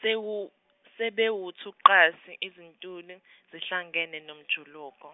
sewu- sebewuthunqasi izintuli zihlangene nomjuluko.